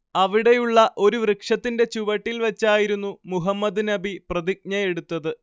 അവിടെയുള്ള ഒരു വൃക്ഷത്തിന്റെ ചുവട്ടിൽ വെച്ചായിരുന്നു മുഹമ്മദ് നബി പ്രതിജ്ഞയെടുത്തത്